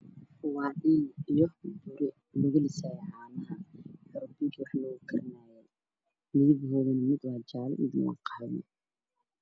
Waa dheel kalarkeedu yahay qaxwi mooyo ayaa ogyahay